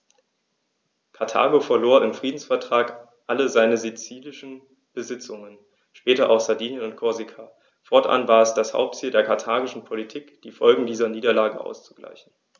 Karthago verlor im Friedensvertrag alle seine sizilischen Besitzungen (später auch Sardinien und Korsika); fortan war es das Hauptziel der karthagischen Politik, die Folgen dieser Niederlage auszugleichen.